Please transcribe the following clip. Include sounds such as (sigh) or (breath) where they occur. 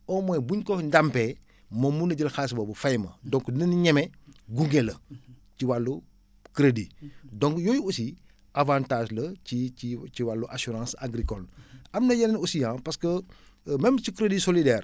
au moins buñ ko ndàmpee moom mun a jël xaalis boobu fay ma donc dinaénu ñeme gunge la ci wàllu crédit donc yooyu aussi avantage la ci ci ci ci wàllu assurance agricole (breath) am na yeneen aussi ah parce que même ci crédit solidaire